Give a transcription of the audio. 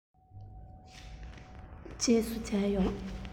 རྗེས སུ མཇལ ཡོང